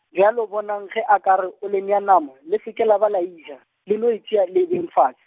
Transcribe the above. bjale bonang ge a ka re, o le nea nama, le se ke la ba la e ja, le no e tšea le e beeng fase.